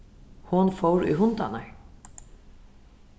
hon fór í hundarnar